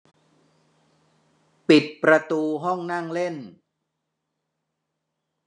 ปิดประตูห้องนั่งเล่น